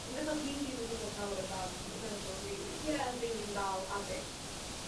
Ma' fatha dwi ddim yn gwbo llawer amdan y menopos rili. Ie. Dim ond rili 'di ga'l addysg